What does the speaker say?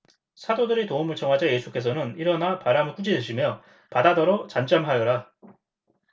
사도들이 도움을 청하자 예수께서는 일어나 바람을 꾸짖으시며 바다더러 잠잠하여라